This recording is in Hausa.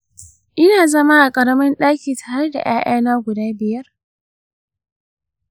ina zama a ƙaramin ɗaki tare da ’ya’yana guda biyar.